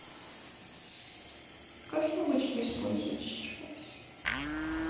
как я могу тебя использовать сейчас